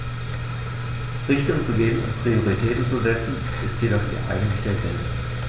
Richtung zu geben und Prioritäten zu setzen, ist jedoch ihr eigentlicher Sinn.